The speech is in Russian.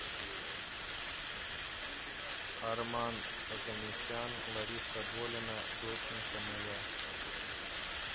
арман оганесян лариса долина доченька моя